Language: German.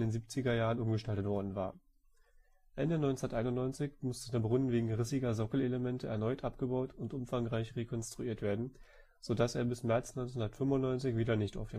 70er Jahren umgestaltet worden war. Ende 1991 musste der Brunnen wegen rissiger Sockelelemente erneut abgebaut und umfangreich rekonstruiert werden, sodass er bis März 1995 wieder nicht auf